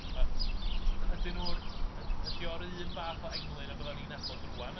I b- Ydi nhw'r... Yd- ydi o'r un fath o englyn a bydda ni'n nabod rŵan?